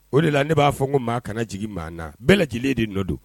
O de la ne b'a fɔ ko maa kana jigin maa na, bɛɛ lajɛlen de nɔ don.